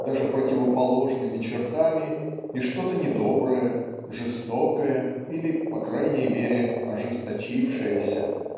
даже противоположными чертами и что-то недоброе жестокое или по крайней мере ожесточившееся.